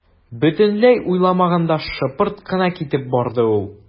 Бөтенләй уйламаганда шыпырт кына китеп барды ул.